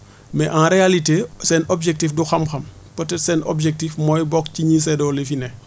mais en réalité seen objectifs du xam-xam peut être seen objectif mooy bokk ci ñiy séddóo li fi ne